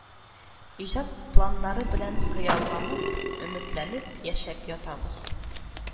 Иҗат планнары белән хыялланып, өметләнеп яшәп ятабыз